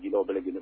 I bɛɛ minɛ